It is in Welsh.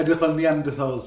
Edrych fel Neanderthals.